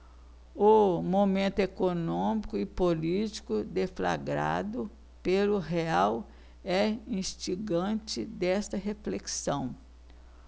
o momento econômico e político deflagrado pelo real é instigante desta reflexão